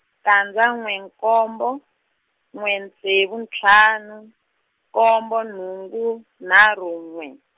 tandza n'we nkombo, n'we ntsevu ntlhanu, nkombo nhungu, nharhu n'we.